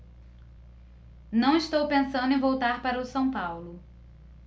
não estou pensando em voltar para o são paulo